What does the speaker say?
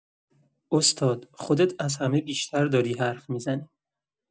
استاد، خودت از همه بیشتر داری حرف می‌زنی.